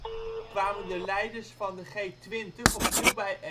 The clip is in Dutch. kwamen de leiders van de G20 opnieuw bijeen